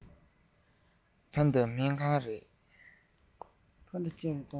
ཕ གི སྨན ཁང རེད